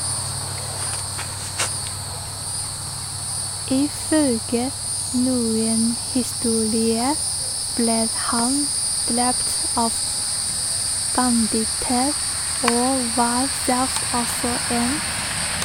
Ifølge noen historier ble han drept av banditter, og var selv også en.